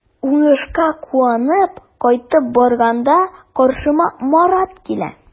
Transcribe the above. Уңышка куанып кайтып барганда каршыма Марат килә.